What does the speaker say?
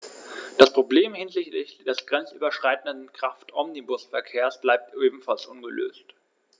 Das Problem hinsichtlich des grenzüberschreitenden Kraftomnibusverkehrs bleibt ebenfalls ungelöst.